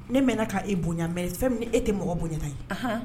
Ne mɛn k' e bonya fɛn e tɛ mɔgɔ bonyada ye